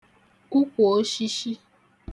ukwùoshishi